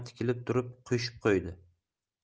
tikilib turib qo'shib qo'ydi